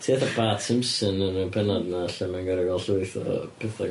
Ti atha Bart Simpson yn y pennod 'na lle mae'n gor'o' ga'l llwyth o petha...